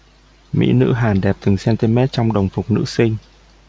mỹ nữ hàn đẹp từng centimet trong đồng phục nữ sinh